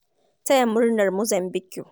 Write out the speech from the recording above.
Taya murna, Mozambiƙue